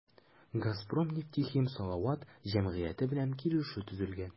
“газпром нефтехим салават” җәмгыяте белән килешү төзелгән.